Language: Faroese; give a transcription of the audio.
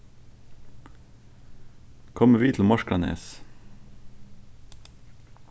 komið við til morskranes